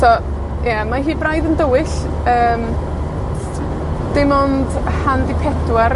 So, ie mae hi braidd yn dywyll, yym, dim ond han' 'di pedwar